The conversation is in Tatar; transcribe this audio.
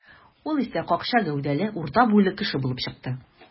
Ул исә какча гәүдәле, урта буйлы кеше булып чыкты.